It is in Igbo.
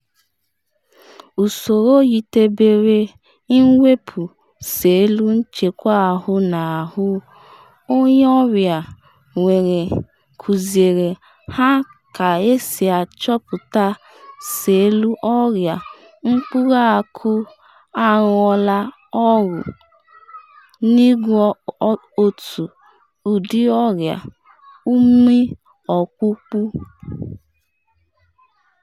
Usoro yitebere inwepụ selụ nchekwa ahụ n’ahụ onye ọrịa were “kuziere” ha ka-esi achọpụta selụ ọrịa mkpụrụ akụ arụọla ọrụ n’ịgwọ otu ụdị ọrịa ụmị ọkpụkpụ.